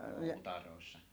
utareissa